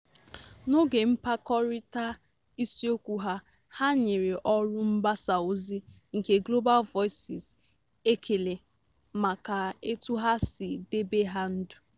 N'oge mkpakọrịta isiokwu ha, ha nyere ọrụ mgbasa ozi nke Global Voices ekele maka etu ha si debe ha ndụ.